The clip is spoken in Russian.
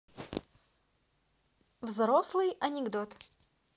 взрослый анекдот